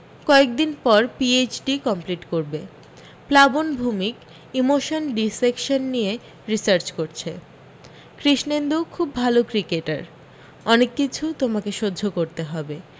কয়েক দিন পর পিইচডি কমপ্লিট করবে প্লাবন ভুমিক ইমোশান ডিটেকসান নিয়ে রিসার্চ করছে কৃষ্ণেন্দু খুব ভালো ক্রিকেটার অনেক কিছু তোমাকে সহ্য করতে হবে